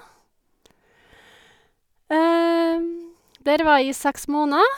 Der var jeg i seks måneder.